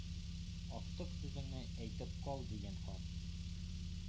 Актык сүзеңне әйтеп кал,— дигән хан.